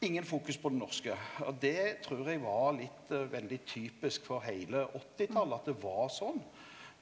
ingen fokus på det norske, og det trur eg var litt veldig typisk for heile åttitalet at det var sånn.